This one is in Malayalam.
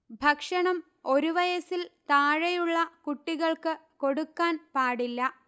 ഭക്ഷണം ഒരു വയസിൽ താഴെയുള്ള കുട്ടികൾക്ക് കൊടുക്കാൻ പാടില്ല